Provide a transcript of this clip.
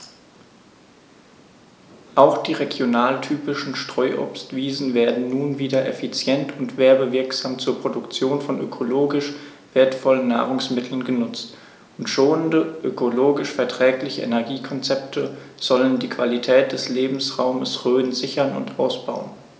Auch die regionaltypischen Streuobstwiesen werden nun wieder effizient und werbewirksam zur Produktion von ökologisch wertvollen Nahrungsmitteln genutzt, und schonende, ökologisch verträgliche Energiekonzepte sollen die Qualität des Lebensraumes Rhön sichern und ausbauen.